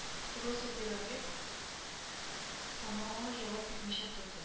Роза беравек анаңа җавап бирмичә торды